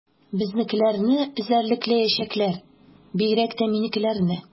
Безнекеләрне эзәрлекләячәкләр, бигрәк тә минекеләрне.